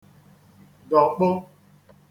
dọ̀kpụ